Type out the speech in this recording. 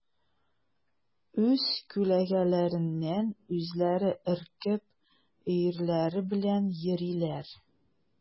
Үз күләгәләреннән үзләре өркеп, өерләре белән йөриләр.